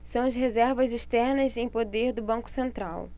são as reservas externas em poder do banco central